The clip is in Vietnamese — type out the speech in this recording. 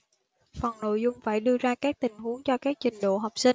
phần nội dung phải đưa ra các tình huống cho các trình độ học sinh